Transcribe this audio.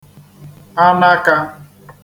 anakā